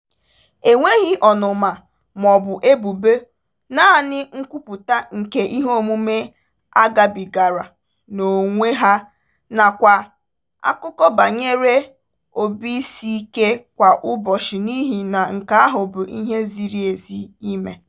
Enweghị ọnụma maọbụ ebubo, naanị nkwupụta nke iheomume a gabigara n'onwe ha nakwa akụkọ banyere obiisiike kwa ụbọchị n'ihi na nke ahụ bụ ihe ziri ezi ime.